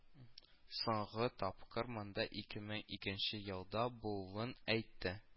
Соңгы тапкыр монда ике мең икенче елда булуын әйтте